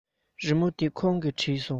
རི མོ འདི ཁོང གིས བྲིས སོང